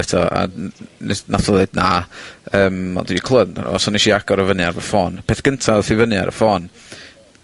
eto a n- n- neth nath o ddeud na. Yym ond dwi 'di clwad amdano fo, so nesh i agor o fyny ar fy ffôn. Peth gynta ddoth i fyny ar y ffôn,